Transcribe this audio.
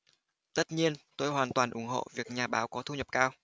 tất nhiên tôi hoàn toàn ủng hộ việc nhà báo có thu nhập cao